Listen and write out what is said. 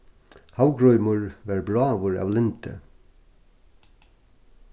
havgrímur var bráður av lyndi